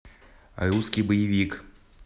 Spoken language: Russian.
русский боевик